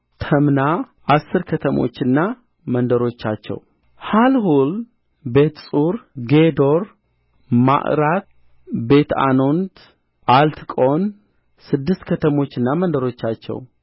ተምና አሥር ከተሞችና መንደሮቻቸው ሐልሑል ቤትጹር ጌዶር ማዕራት ቤትዓኖት ኤልትቆን ስድስት ከተሞችና መንደሮቻቸው